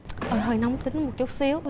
ờ hơi nóng tính một chút xíu